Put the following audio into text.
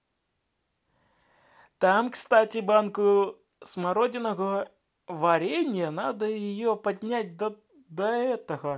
там кстати банку смородинного варенья надо ее поднять до этого